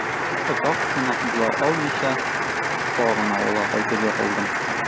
Озак кунак була алмыйча, тагын авылга кайтып егылдым...